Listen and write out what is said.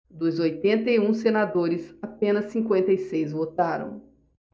dos oitenta e um senadores apenas cinquenta e seis votaram